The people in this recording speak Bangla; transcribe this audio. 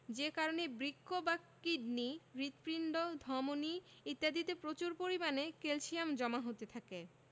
যে কারণে বৃক্ক বা কিডনি হৃৎপিণ্ড ধমনি ইত্যাদিতে প্রচুর পরিমাণে ক্যালসিয়াম জমা হতে থাকে